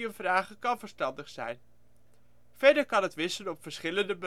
vragen kan verstandig zijn. Verder kan het wissen op verschillende